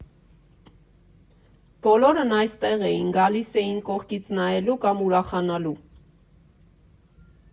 Բոլորն այստեղ էին, գալիս էին կողքից նայելու կամ ուրախանալու։